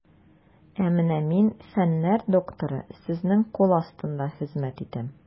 Ә менә мин, фәннәр докторы, сезнең кул астында хезмәт итәм.